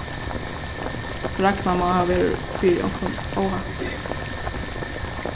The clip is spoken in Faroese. ragna má hava verið fyri onkrum óhappi